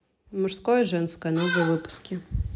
мужское и женское новые выпуски